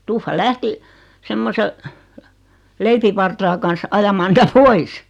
tuffa lähti semmoisen leipävartaan kanssa ajamaan niitä pois